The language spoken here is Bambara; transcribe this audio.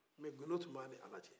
mɛ gundo tun b'ani ala cɛ